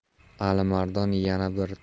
alimardon yana bir